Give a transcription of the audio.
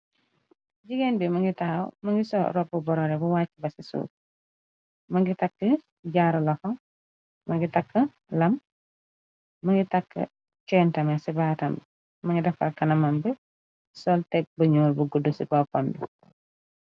Jigéen bi mungi tahaw, mu ngi sol robbu borode bu wàcci ba ci suuf, mu ngi tàkk jaaru loxo, mungi tàkk lam, mu ngi tàkk ceen tame ci baatambi, mu ngi defar kanamam bi, sol teg bu ñuul bu guddu ci boppam bi.